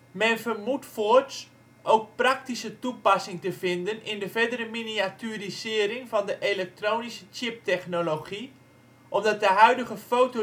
Men vermoedt voorts ook praktische toepassing te vinden in de verdere miniaturisering van de elektronische chiptechnologie omdat de huidige fotolithografische